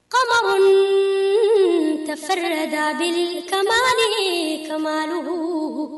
Kabasonin tɛ terikɛ da kamalenin kadugu